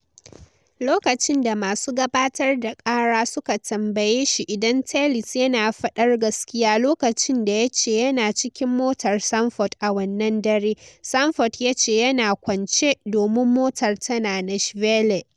Lokacin da masu gabatar da kara suka tambaye shi idan Tellis yana faɗar gaskiya lokacin da ya ce yana cikin motar Sanford a wannan dare, Sanford ya ce yana "kwance, domin motar tana Nashville."